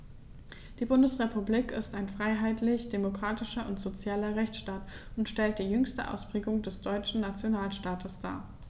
Die Bundesrepublik ist ein freiheitlich-demokratischer und sozialer Rechtsstaat und stellt die jüngste Ausprägung des deutschen Nationalstaates dar.